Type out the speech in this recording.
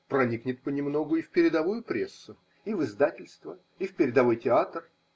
проникнет понемногу и в передовую прессу, и в издательства, и в передовой театр